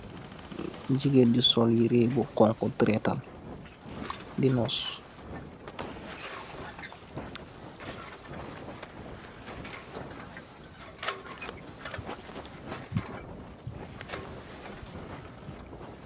Gigeen bu sol yirèh bu xonxu biretal di nós.